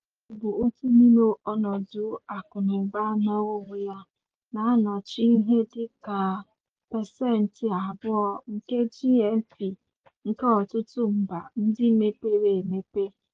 Egwuregwu bụ otu n'ime ọnọdụ akụnụba nọrọ onwe ya, na-anọchi ihe dịka 2% nke GNP nke ọtụtụ mba ndị mepere emepe.